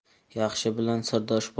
yaxshi bilan sirdosh